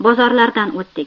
bozorlardan o'tdik